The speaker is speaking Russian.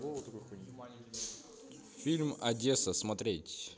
фильм одесса смотреть